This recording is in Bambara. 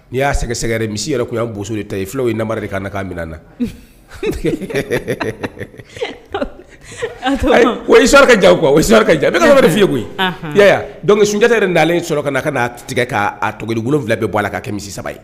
Ni y'a sɛgɛsɛgɛrɛ misi yɛrɛ'' bo de ta ye fulaw ye namari kan na ka min na i saraka ja kuwa ja sabali fiye koyi dɔnku sunjata yɛrɛ dalenlen sɔrɔ ka ka' tigɛ'a toli wolonwula bɛɛ bɔ a la ka kɛ misi saba ye